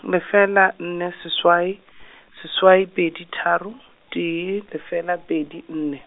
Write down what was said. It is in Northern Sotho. lefela nne seswai, seswai pedi tharo, tee, lefela pedi, nne.